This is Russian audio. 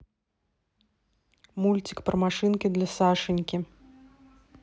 мультик про машинки для сашеньки